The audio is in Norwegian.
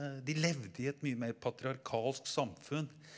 de levde i et mye mer patriarkalsk samfunn.